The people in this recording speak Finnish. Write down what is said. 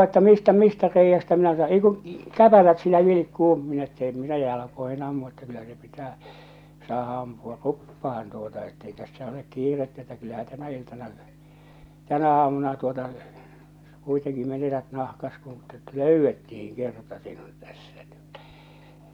että mistä mistä reiästä minä - ei kun käpälät sillä vilkkuu minä että en minä - jalkoihin ammu että kyllä se pitää saada ampua ruppaan tuota että ei tässä ole kiirettä että kyllähän tänä iltana tänä aamuna tuota kuitenkin menetät nahkasi kun että että löydettiin kerta sinut tässä niin että